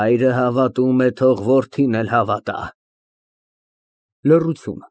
Հայրը հավատում է, թող որդին էլ հավատա։ (Լռություն)։